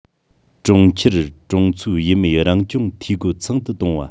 གྲོང ཁྱེར གྲོང ཚོ ཡུལ མིའི རང སྐྱོང འཐུས སྒོ ཚང དུ གཏོང བ